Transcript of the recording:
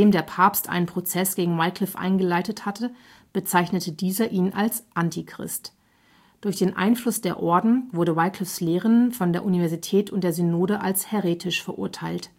der Papst einen Prozess gegen Wyclif eingeleitet hatte, bezeichnete dieser ihn als „ Antichrist “. Durch den Einfluss der Orden wurden Wyclifs Lehren von der Universität und der Synode als häretisch verurteilt